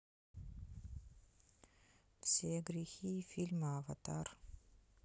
все грехи фильма аватар